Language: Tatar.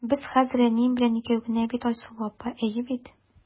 Без хәзер әнием белән икәү генә бит, Айсылу апа, әйе бит?